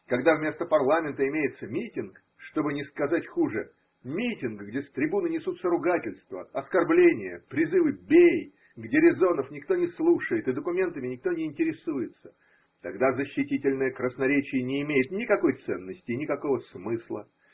Когда вместо парламента имеется митинг, чтобы не сказать хуже, – митинг, где с трибуны несутся ругательства, оскорбления, призывы бей, где резонов никто не слушает и документами никто не интересуется, – тогда защитительное красноречие не имеет никакой ценности и никакого смысла.